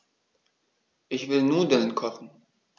Ich will Nudeln kochen.